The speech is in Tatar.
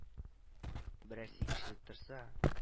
—берәрсе ишетеп торса